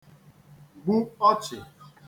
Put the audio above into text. gbu ọchị̀